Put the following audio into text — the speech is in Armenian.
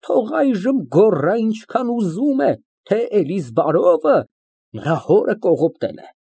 Թող այժմ գոռա, ինչքան ուզում է, թե Էլիզբարովը նրա հորը կողոպտել է։